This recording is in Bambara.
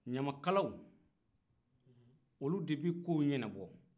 yamakalaw olu de bɛ ko ɲɛnabɔ